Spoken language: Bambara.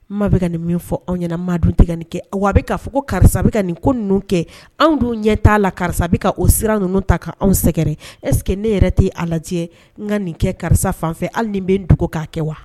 N ma bɛka ka nin min fɔ anw ɲɛna maa dun tigɛ nin kɛ wa a bɛ k'a fɔ ko karisa bɛ ka nin ko ninnu kɛ anw dun ɲɛ t'a la karisa bɛ ka o sira ninnu ta' anw sɛgɛrɛ ɛseke ne yɛrɛ' a lajɛ n ka nin kɛ karisa fanfɛ hali ni bɛ dugu'a kɛ wa